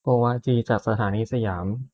โกวาจีจากสถานีสยาม